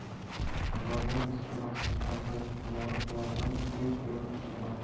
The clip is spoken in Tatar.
Вагон стенасындагы ярыклардан җил өреп тора.